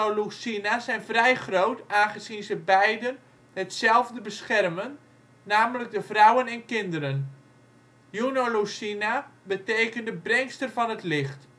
Lucina zijn vrij groot aangezien ze beiden hetzelfde beschermen, namelijk de vrouwen en kinderen. Iuno Lucina betekende breng (st) er van het licht